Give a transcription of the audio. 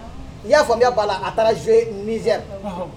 I y'a faamuya b’a la a taara jouer Niger Ɔnhɔn